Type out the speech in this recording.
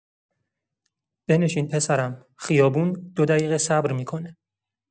بنشین پسرم، خیابون دو دقیقه صبر می‌کنه.